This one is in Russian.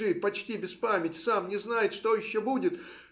Бежит почти без памяти; сам не знает, что еще будет.